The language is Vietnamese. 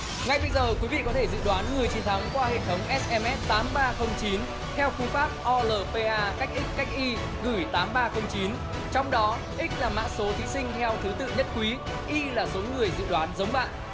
ngay bây giờ quý vị có thể dự đoán người chiến thắng qua hệ thống ét em ét tám ba không chín theo cú pháp o lờ pê a cách ích cách y gửi tám ba không chín trong đó ích là mã số thí sinh theo thứ tự nhất quý y là số người dự đoán giống bạn